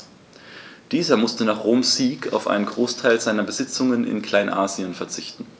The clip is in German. Dieser musste nach Roms Sieg auf einen Großteil seiner Besitzungen in Kleinasien verzichten.